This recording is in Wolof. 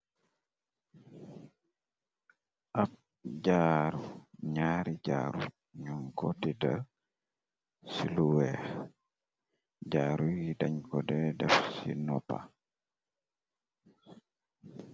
Ab jaaru, ñaari jaaru ñun ko tidda ci lu weex, jaaru yi dañ kode def ci noppa.